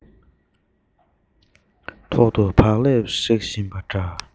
ཐོག ཏུ བག ལེབ སྲེག བཞིན པ འདྲ